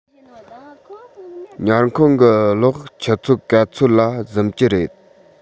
ཉལ ཁང གི གློག ཆུ ཚོད ག ཚོད ལ གཟིམ གྱི རེད